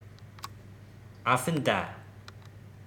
ཨ ཧྥེན ཏ